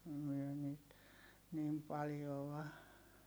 me niitä niin paljoa